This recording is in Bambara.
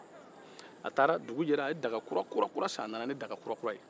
a taara dugu jɛra a ye daga kurakura san